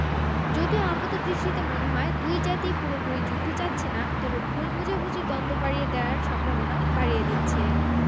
যদিও আপাতদৃষ্টিতে মনে হয় দুই জাতিই পুরোপুরি যুদ্ধ চাচ্ছে না তবে ভুল বোঝাবুঝি দ্বন্দ্ব বাড়িয়ে দেওয়ার সম্ভাবনা বাড়িয়ে দিচ্ছে